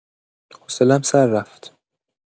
حوصلم سر رفت